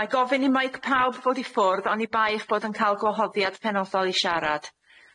Mae gofyn i meic pawb fod i ffwrdd onibai eich bod yn ca'l gwahoddiad penodol i siarad.